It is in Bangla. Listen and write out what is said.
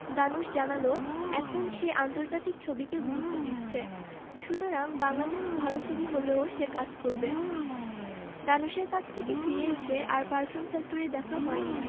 ধানুশ জানালো এখন সে আন্তর্জাতিক ছবিকে গুরুত্ব দিচ্ছে সুতরাং বাংলাতে ভালো ছবি হলেও সে কাজ করবে ধানুশের কাছে থেকে ফিরে এসে আর পারফিউম ফ্যাক্টরি দেখা হয়নি